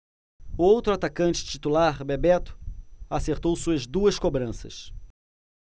o outro atacante titular bebeto acertou suas duas cobranças